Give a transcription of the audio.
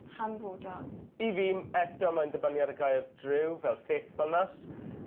hanfodol. I fi m- eto mae'n dibynnu ar y gair driw fel ffaithfulness